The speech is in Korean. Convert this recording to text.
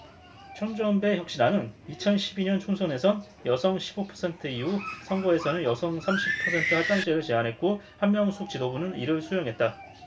천정배 혁신안은 이천 십 이 년 총선에선 여성 십 오 퍼센트 이후 선거에서는 여성 삼십 퍼센트 할당제를 제안했고 한명숙 지도부는 이를 수용했다